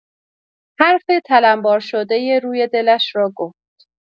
حرف تلنبار شدۀ روی دلش را گفت.